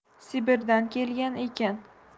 sibirdan kelgan ekan